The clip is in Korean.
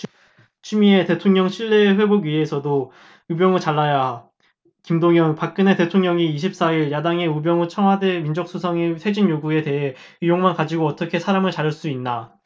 추미애 대통령에 신뢰 회복위해서도 우병우 잘라야김동현 박근혜 대통령이 이십 사 일 야당의 우병우 청와대 민정수석의 퇴진요구에 대해 의혹만 가지고 어떻게 사람을 자를 수가 있나